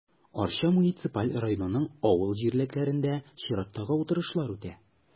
Арча муниципаль районының авыл җирлекләрендә чираттагы утырышлар үтә.